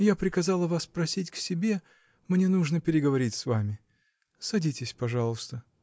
я приказала вас просить к себе: мне нужно переговорить с вами. Садитесь, пожалуйста.